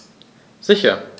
Sicher.